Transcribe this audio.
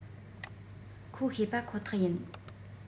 ཁོ ཤེས པ ཁོ ཐག ཡིན